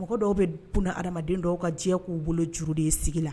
Mɔgɔ dɔw bɛ bunahadamadenw dɔw ka jɛ k'u bolo juru de ye sigi la